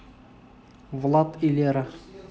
влад и лера